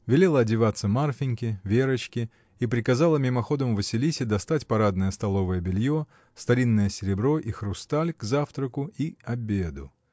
Велела одеваться Марфиньке, Верочке и приказала мимоходом Василисе достать парадное столовое белье, старинное серебро и хрусталь к завтраку и обеду.